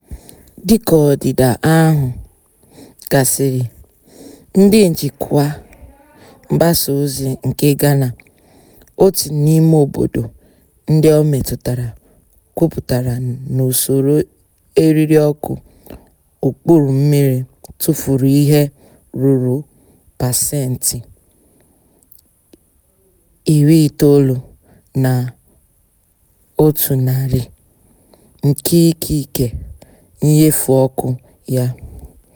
Dịka ọdịda ahụ gasịrị, ndị nchịkwa mgbasaozi nke Ghana, otu n'ime obodo ndị o metụtara, kwupụtara na usoro eririọkụ okpuru mmiri tụfuru ihe ruru pasenti 90 na 100 nke ikike nnyefe ọkụ ya.